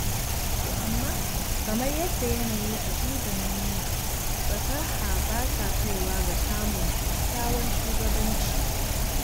To amma, kamar yadda yanayi a Juba ya nuna, fasaha ba ta kaiwa ga samun kyakkyawan shugabanci.